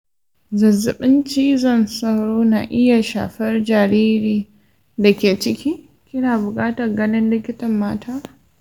zazzaɓin cizon sauro na iya shafar jaririn da ke ciki, kina buƙatar ganin likitan mata